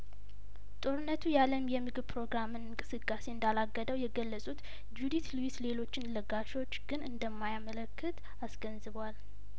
ጦርነቱ የአለም የምግብ ፕሮግራምን እንቅስቃሴ እንዳላ ገደው የገለጹት ጅዲት ሊዊስ ሌሎችን ለጋሾች ግን እንደማያመለክት አስገንዝበዋል